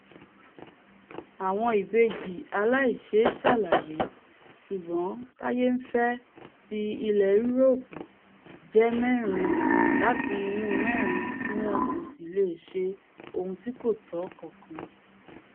Àwọn ìbejì aláìṣeéṣàlàyé ṣùgbọ́n táyé ńfẹ́ ti ilẹ̀ Yuroopu jẹ́ mẹ́rin láti inú mẹ́rin tí wọn kòsí leè ṣe ohun tí kòtọ́ kankan.